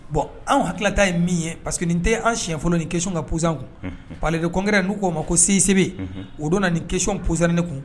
Bon anw hakilita ye min ye parceseke nin tɛ an si fɔlɔ ni keon ka p fisasan kun paale de kɔnkɛ n'u k'o ma ko sesebe o don nana ni kecon psan ne kun